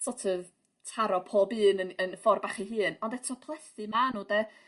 sort of taro pob un yn yn ffor bach 'u hun ond eto plethu ma' nw 'de?